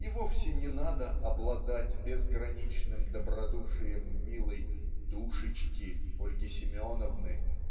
И вовсе не надо обладать безграничным добродушием милой "душечки" Ольги Семеновны